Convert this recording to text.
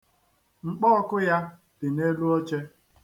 Mkpọọkụ ya dị n'elu oche.